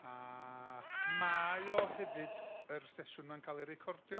a mae o hefyd, yr sesiwn 'ma, yn cael ei recordio.